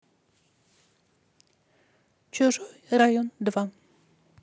чужой район два